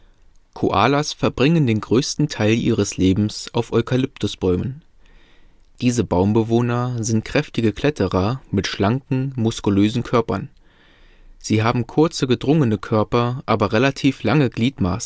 Koalas verbringen den größten Teil ihres Lebens auf Eukalyptusbäumen. Diese Baumbewohner sind kräftige Kletterer mit schlanken, muskulösen Körpern. Sie haben kurze, gedrungene Körper, aber relativ lange Gliedmaßen